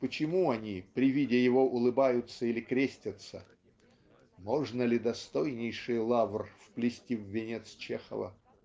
почему они при виде его улыбаются или крестятся (можно ли достойнейший лавр вплести в венец Чехова?).